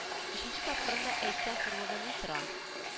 Өченче тапкырын да әйтсә хурлыгы ни тора